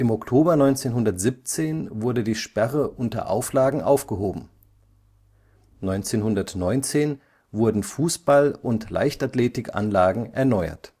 Oktober 1917 wurde die Sperre unter Auflagen aufgehoben. 1919 wurden Fußball - und Leichtathletikanlagen erneuert